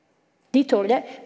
de tåler det.